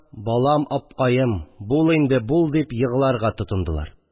"балам, апкаем, бул инде, бул!» – дип егларга тотындылар